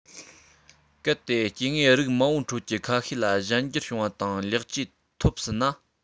གལ ཏེ སྐྱེ དངོས རིགས མང པོའི ཁྲོད ཀྱི ཁ ཤས ལ གཞན འགྱུར བྱུང བ དང ལེགས བཅོས ཐོབ ཟིན ན